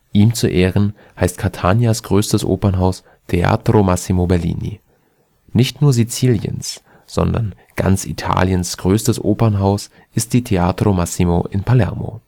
Ihm zu Ehren heißt Catanias größtes Opernhaus Teatro Massimo Bellini. Nicht nur Siziliens, sondern ganz Italiens größtes Opernhaus ist das Teatro Massimo in Palermo